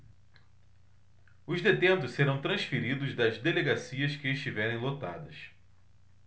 os detentos serão transferidos das delegacias que estiverem lotadas